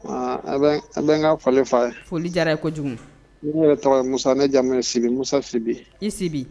Aa a bɛ ka falen fa ye foli diyara ye kojugu n yɛrɛ tɔgɔ musa ne jamana sigi musa sibi i sibi